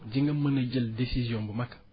di na mën a jël décision bu mag